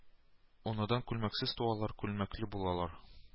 Анадан күлмәксез туалар, күлмәкле булалар